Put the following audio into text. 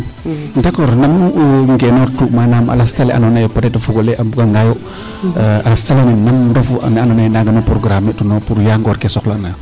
d' accord nam nu ngenoor tu a lastale ando naye peut etre o fogole a mbuga ngaayo a lastale nam reefu nee ando naye naaga nu programme me tu pour yaa ngor ke soxla na